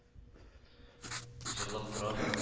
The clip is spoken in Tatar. Җырлап тора